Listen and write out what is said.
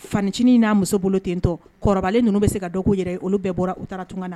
Fanincinin n'a muso bolo ten tɔ, kɔrɔlen ninnu bɛ se ka dɔ k'u yɛrɛ ye olu bɛɛ bɔra u taara tunga